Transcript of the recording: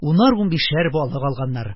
Унар-ун-бишәр балык алганнар.